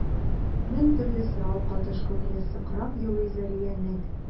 Мең төрле сорау катыш күңеле сыкрап елый Зәриянең.